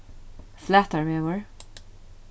flatarvegur